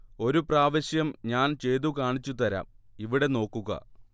ഒരു പ്രാവശ്യം ഞാൻ ചെയ്തു കാണിച്ചു തരാം ഇവിടെ നോക്കുക